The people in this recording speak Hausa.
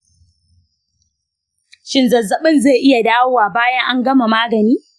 shin zazzabin zai iya dawowa bayan an gama magani?